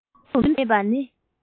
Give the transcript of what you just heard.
བསྒྲུན དུ མེད པ ནི